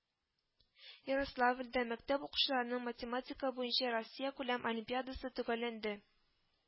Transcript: Ярославльдә мәктәп укучыларының математика буенча Россиякүләм олимпиадасы төгәлләнде